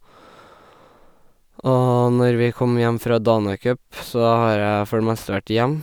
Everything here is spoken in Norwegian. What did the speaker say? Og når vi kom hjem fra Dana Cup, så har jeg for det meste vært hjemme.